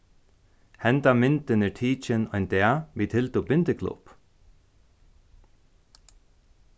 hendan myndin er tikin ein dag vit hildu bindiklubb